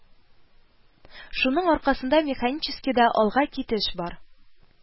Шуның аркасында механическийда алга китеш бар